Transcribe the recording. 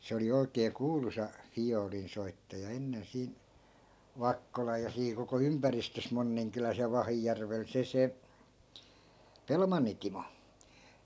se oli oikein kuuluisa viulunsoittaja ennen siinä Vakkolan ja siinä koko ympäristössä Monninkylässä ja Vahijärvellä se se Pelmannin Timo